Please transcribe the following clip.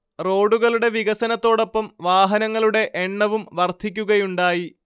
റോഡുകളുടെ വികസനത്തോടൊപ്പം വാഹനങ്ങളുടെ എണ്ണവും വർധിക്കുകയുണ്ടായി